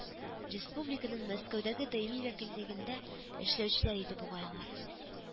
Республиканың Мәскәүдәге даими вәкиллегендә эшләүчеләр иде бугай алар